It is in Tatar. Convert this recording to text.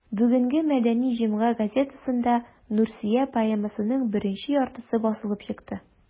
Бүгенге «Мәдәни җомга» газетасында «Нурсөя» поэмасының беренче яртысы басылып чыкты.